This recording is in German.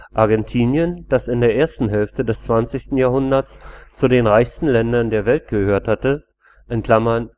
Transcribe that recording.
Argentinien, das in der ersten Hälfte des 20. Jahrhunderts zu den reichsten Ländern der Welt gehört hatte (1913